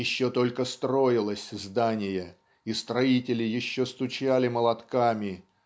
еще только строилось здание и строители еще стучали молотками